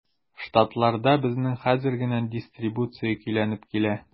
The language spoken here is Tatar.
Штатларда безнең хәзер генә дистрибуция көйләнеп килә.